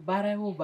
Baara y'o ban